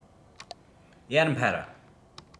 ཡར འཕར